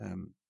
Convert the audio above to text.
yym